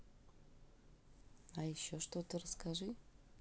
а еще что то расскажи